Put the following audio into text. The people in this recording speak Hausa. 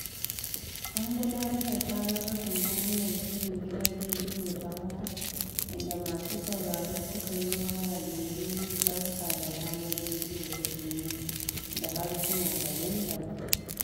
An gudanar da tararrukan ta hanyar shirin gidan rediyo ta waya, inda masu sauraro suka yiwo waya domin yi 'barka da Ranar Rediyo Ta Duniya'' da harsuna daban-daban.